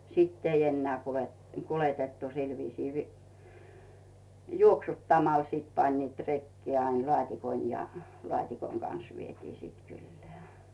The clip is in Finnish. sitten ei enää - kuljetettu sillä viisiin - juoksuttamalla sitten panivat rekeen aina laatikon ja laatikon kanssa vietiin sitten kylään